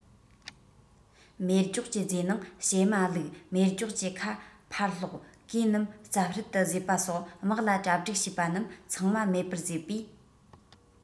མེ སྒྱོགས ཀྱི རྫས ནང བྱེ མ བླུགས མེ སྒྱོགས ཀྱི ཁ ཕར སློག གོས རྣམས རྩབ ཧྲལ དུ བཟོས པ སོགས དམག ལ གྲ སྒྲིག བྱས པ རྣམས ཚང མ མེད པར བཟོས པས